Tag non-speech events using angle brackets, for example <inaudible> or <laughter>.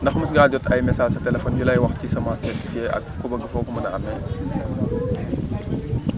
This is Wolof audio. ndax mos ngaa jot ay messages <noise> sa téléphone yu lay wax ci semence certifiée ak ku ko bëgg foo ko mën a amee <crosstalk>